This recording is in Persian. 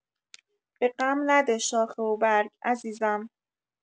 به غم نده شاخه و برگ عزیزم